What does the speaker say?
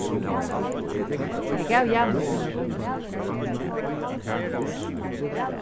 eg gav janus mína gomlu súkklu